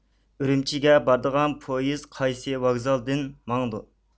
ئۈرۈمچىگە بارىدىغان پويىز قايسى ۋوگزالدىن ماڭىدۇ